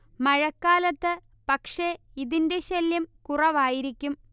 മഴക്കാലത്ത് പക്ഷേ ഇതിന്റെ ശല്യം കുറവായിരിക്കും